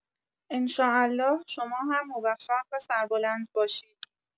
ان‌شاءالله شما هم موفق و سربلند باشید.